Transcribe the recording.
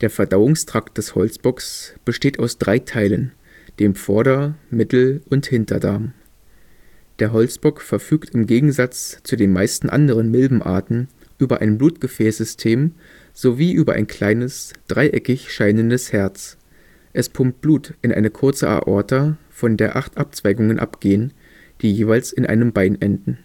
Verdauungstrakt des Holzbocks besteht aus drei Teilen, dem Vorder -, Mittel - und Hinterdarm. Der Holzbock verfügt im Gegensatz zu den meisten anderen Milbenarten über ein Blutgefäßsystem sowie über ein kleines, dreieckig scheinendes Herz; es pumpt Blut in eine kurze Aorta, von der acht Abzweigungen abgehen, die jeweils in einem Bein enden